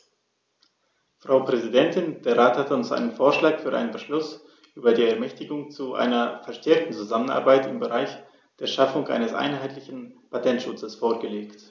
Frau Präsidentin, der Rat hat uns einen Vorschlag für einen Beschluss über die Ermächtigung zu einer verstärkten Zusammenarbeit im Bereich der Schaffung eines einheitlichen Patentschutzes vorgelegt.